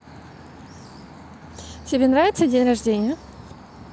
тебе нравится день рождения